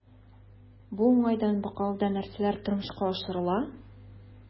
Бу уңайдан Бакалыда нәрсәләр тормышка ашырыла?